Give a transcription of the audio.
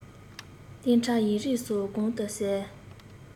གཏན ཁྲ ཡིག རིགས སོགས གང དུ གསལ